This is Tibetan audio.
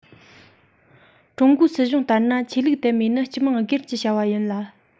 ཀྲུང གོའི སྲིད གཞུང ལྟར ན ཆོས ལུགས དད མོས ནི སྤྱི དམངས སྒེར གྱི བྱ བ ཡིན ལ